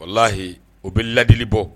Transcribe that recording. Wala lahi o bɛ ladili bɔ